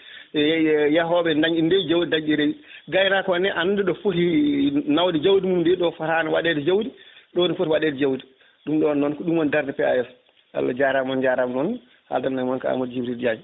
yaahoɓe dañ ɗo ndewi jawdi daña ɗo rewi gaynako o ne anda ɗo footi nawde jawdi muɗum ndi ɗo fotani waɗede jawdi ɗone footi waɗe jawdi ɗum ɗon noon ko ɗum woni darde PAS Allah jarama on jarama noon haldanno e moon ko Amadou Djibril Diagne